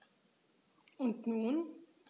Und nun?